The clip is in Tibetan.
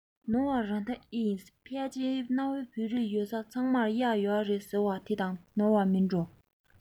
ནོར བ རང ད ཨེ ཡིན ཕལ ཆེར གནའ བོའི བོད རིགས ཡོད ས ཚང མར གཡག ཡོད རེད ཟེར བ དེ དང ནོར བ མིན འགྲོ